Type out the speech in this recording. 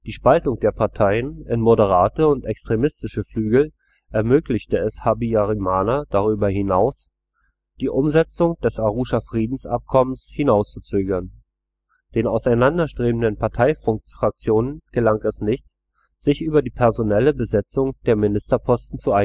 Spaltung der Parteien in moderate und extremistische Flügel ermöglichte es Habyarimana darüber hinaus, die Umsetzung des Arusha-Friedensabkommens hinauszuzögern – den auseinanderstrebenden Parteifraktionen gelang es nicht, sich über die personelle Besetzung der Ministerposten zu